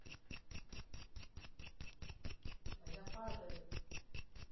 а я падаю